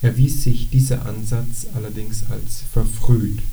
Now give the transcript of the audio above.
erwies sich dieser Ansatz allerdings als verfrüht.